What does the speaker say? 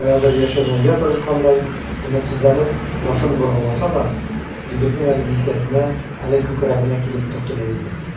Каядыр яшеренергә тырышкандай, өметсезләнеп башын боргаласа да, егетнең әле җилкәсенә, әле күкрәгенә килеп төртелә иде.